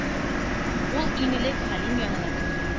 Ул иң элек Хәлим янына керде.